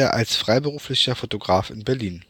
als freiberuflicher Fotograf in Berlin